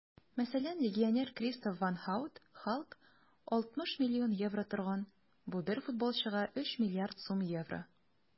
Мәсәлән, легионер Кристоф ван Һаут (Халк) 60 млн евро торган - бу бер футболчыга 3 млрд сум евро!